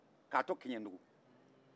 ka tɔ kiɲɛndugu